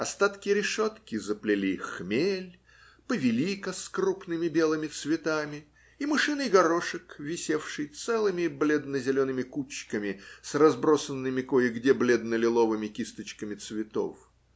Остатки решетки заплели хмель, повилика с крупными белыми цветами и мышиный горошек, висевший целыми бледно-зелеными кучками, с разбросанными кое-где бледно-лиловыми кисточками цветов.